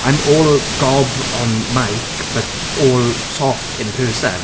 I'm all gob on mic but all soft in person.